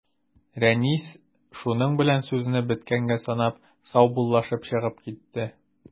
Рәнис, шуның белән сүзне беткәнгә санап, саубуллашып чыгып китте.